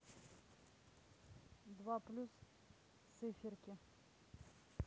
два плюс циферки